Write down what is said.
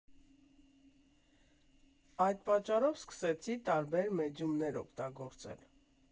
Այդ պատճառով սկսեցի տարբեր մեդիումներ օգտագործել։